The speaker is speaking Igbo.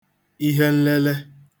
ihe nlele